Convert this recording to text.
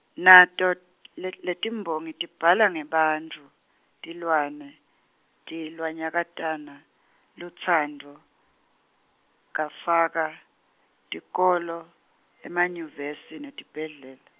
nato le letiMbongi tibhala ngebantfu, tilwane, tilwanyakatane, lutsandvo kafaka, tikolo, emanyuvesi netibhedlela.